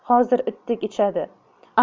hozir itdek ichadi